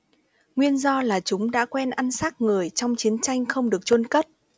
nguyên do là chúng đã quen ăn xác người trong chiến tranh không được chôn cất